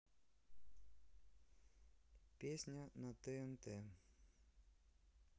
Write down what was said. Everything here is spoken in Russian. песня на тнт